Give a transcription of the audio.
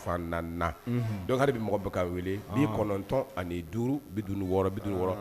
Bɛ kɔnɔntɔn ani duuru bind wɔɔrɔ wɔɔrɔ